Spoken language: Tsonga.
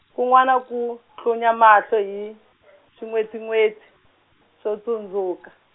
kun'wana ku, tlunya mahlo hi, swin'wetsin'wetsi, swo tsundzuka.